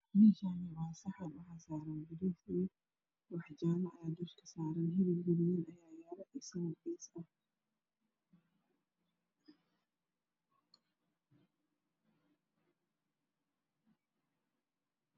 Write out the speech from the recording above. Meeshaani waa saxan jaale hilib guduunan Aya saaran